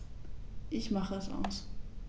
Ich mache es aus.